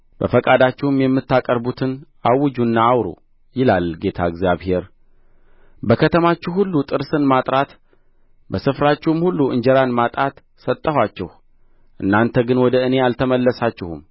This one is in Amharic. በፈቃዳችሁም የምታቀርቡትን አውጁና አውሩ ይላል ጌታ እግዚአብሔር በከተማችሁ ሁሉ ጥርስን ማጥራት በስፍራችሁም ሁሉ እንጀራን ማጣት ሰጠኋችሁ እናንተ ግን ወደ እኔ አልተመለሳችሁም